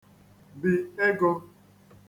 bì egō